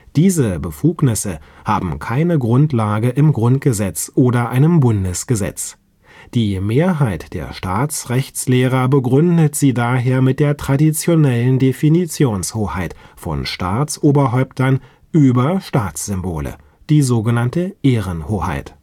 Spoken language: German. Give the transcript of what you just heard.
Diese Befugnisse haben keine Grundlage im Grundgesetz oder einem Bundesgesetz. Die Mehrheit der Staatsrechtslehrer begründet sie daher mit der traditionellen Definitionshoheit von Staatsoberhäuptern über Staatssymbole („ Ehrenhoheit